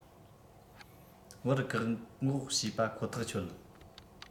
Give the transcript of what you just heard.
བར བཀག འགོག བྱས པ ཁོ ཐག ཆོད